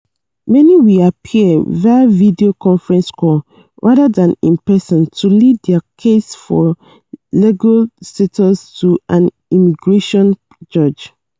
Many will appear via video conference call, rather than in person, to plead their case for legal status to an immigration judge.